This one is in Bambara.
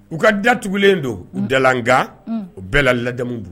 U ka da tugulen don u dala . Nga o bɛɛ la lajamu